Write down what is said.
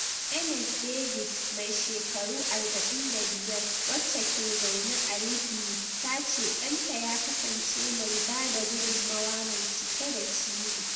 Ms Davis, mai shekaru 45, wacce ke zaune a Lydney, ta ce ɗanta ya kasance mai ba da gudummawa mai cike da ciwo.